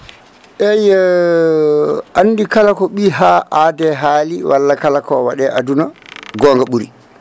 eyyi andi kala ɓi ha aade haali walla kala ko wae aduna gonga ɓuuri